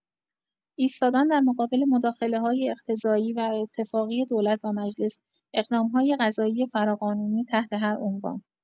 ایستادن در مقابل مداخله‌های اقتضایی و اتفاقی دولت و مجلس، و اقدام‌های قضایی فراقانونی تحت هر عنوان